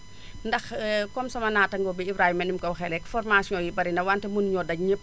ndax comme sama nattangoo bi Ibrahima ni mu ko waxee léegi formations yi bari na wante mënuñoo daj ñëpp